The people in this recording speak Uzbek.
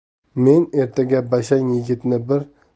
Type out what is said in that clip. men ertaga bashang yigitni